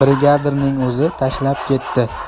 brigadirning o'zi tashlab ketdi